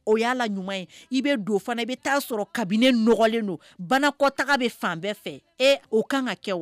O y'ala ɲuman ye i bɛ don fana i bɛ taa sɔrɔ kabini nɔgɔlen don banakɔtaa bɛ fan bɛɛ fɛ o kan ka kɛ wa